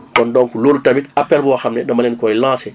kon donc loolu tamit appel boo xam ne dama leen koy lancé